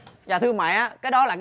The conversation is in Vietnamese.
dạ thưa mẹ cái đó là